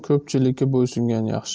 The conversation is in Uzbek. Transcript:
ko'pchilikka bo'ysungan yaxshi